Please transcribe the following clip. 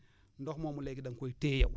ndox moomu léegi da nga koy téye yow